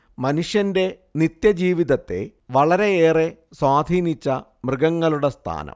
മനുഷ്യന്റെ നിത്യജീവിതത്തെ വളരെയേറെ സ്വാധീനിച്ച മൃഗങ്ങളുടെ സ്ഥാനം